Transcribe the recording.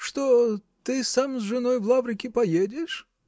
Что, ты сам с женой в Лаврики поедешь?